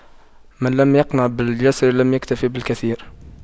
من لم يقنع باليسير لم يكتف بالكثير